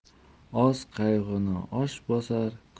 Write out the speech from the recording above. oz qayg'uni osh bosar